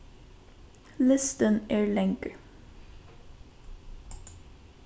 listin er langur